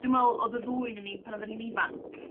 Dwi me'wl odd y ddwy onnyn ni pan oddan ni'n ifanc